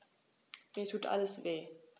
Mir tut alles weh.